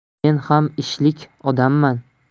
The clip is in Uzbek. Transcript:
men ham ishlik odamman